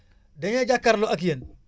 dañoo jàkkaarloo ak yéen